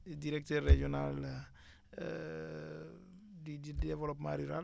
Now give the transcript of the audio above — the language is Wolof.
directeur régional du développement rural